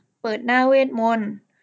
เปิดหน้าเวทมนต์